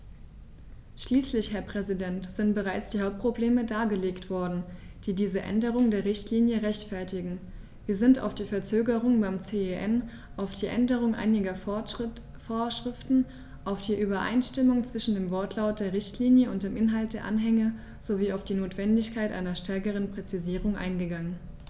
Schließlich, Herr Präsident, sind bereits die Hauptprobleme dargelegt worden, die diese Änderung der Richtlinie rechtfertigen, wir sind auf die Verzögerung beim CEN, auf die Änderung einiger Vorschriften, auf die Übereinstimmung zwischen dem Wortlaut der Richtlinie und dem Inhalt der Anhänge sowie auf die Notwendigkeit einer stärkeren Präzisierung eingegangen.